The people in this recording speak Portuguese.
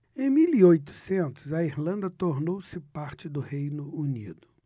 em mil e oitocentos a irlanda tornou-se parte do reino unido